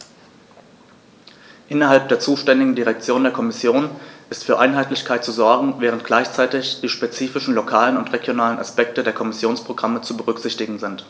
Innerhalb der zuständigen Direktion der Kommission ist für Einheitlichkeit zu sorgen, während gleichzeitig die spezifischen lokalen und regionalen Aspekte der Kommissionsprogramme zu berücksichtigen sind.